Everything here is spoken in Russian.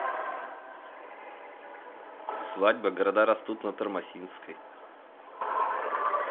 свадьба города растут на тормосинской